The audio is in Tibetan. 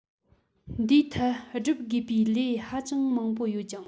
འདིའི ཐད བསྒྲུབ དགོས པའི ལས ཧ ཅང མང པོ ཡོད ཅིང